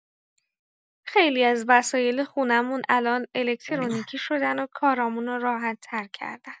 خیلی از وسایل خونمون الان الکترونیکی شدن و کارامونو راحت‌تر کردن.